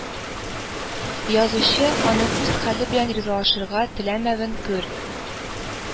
Язучы, аның үз хәле белән ризалашырга теләмәвен күр